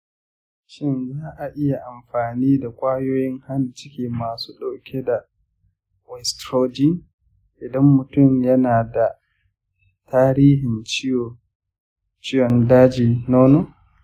shin za a iya amfani da kwayoyin hana ciki masu ɗauke da oestrogen idan mutum yana da tarihin ciwon dajin nono?